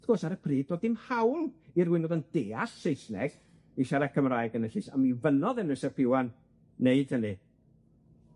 Wrth gwrs, ar y pryd do'dd dim hawl i rywun o'dd yn deall Saesneg i siarad Cymraeg yn y llys, a mi fynnodd Emrys ap Iwan wneud hynny.